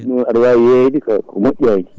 ɗumne aɗa wawi yeyoyde ko moƴƴani